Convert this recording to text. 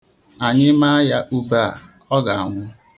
Anyị maa ya ube a, ọ ga-anwụ.